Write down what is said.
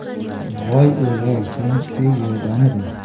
voy o'lay sen shu yerdamiding